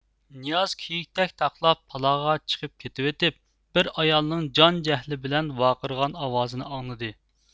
نىياز كىيىكتەك تاقلاپ تالاغا چىقىپ كېتىۋېتىپ بىر ئايالنىڭ جان جەھلى بىلەن ۋارقىرىغان ئاۋازىنى ئاڭلىدى